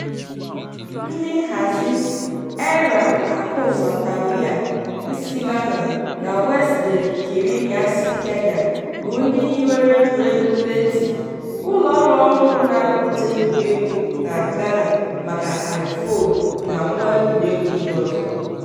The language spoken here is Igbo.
Ndị nhazi, Eyram Akorfa Tawiah si Ghana na Wesley Kirinya si Kenya bụ ndị hiwere egwuregwu Leti, ụlọọrụ ọhụrụ na-arụpụta egwuregwu na Ghana maka iPhone na ngwa egwuregwu ndị ọzọ.